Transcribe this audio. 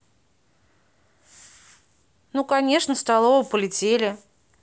нуканешна столова полетели